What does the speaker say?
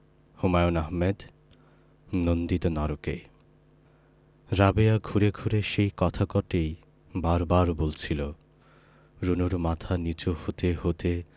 হুমায়ুন আহমেদ নন্দিত নরকে রাবেয়া ঘুরে ঘুরে সেই কথা কটিই বার বার বলছিলো রুনুর মাথা নীচু হতে হতে